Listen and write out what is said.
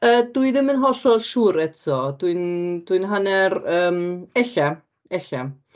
Yy dwi ddim yn hollol siŵr eto. Dwi'n dwi'n hanner... yym ella ella.